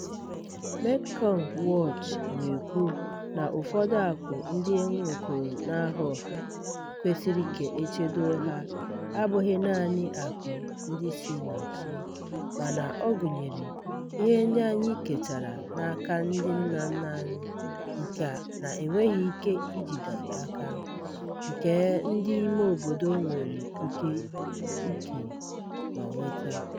Mekong Watch na-ekwu na ụfọdụ akụ ndị e nwekọrọ n'aha ọha kwesịrị ka e chedoo ha abụghị naanị akụ ndị si na chi mana ọ gụnyere "ihe ndị anyị ketara n'aka ndị nna nna anyị nke a na-enweghị ike ijide aka" nke ndị ime obodo nwere íké íkè ma nweta.